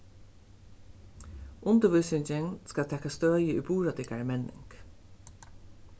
undirvísingin skal taka støði í burðardyggari menning